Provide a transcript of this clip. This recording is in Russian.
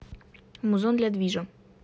музон для движа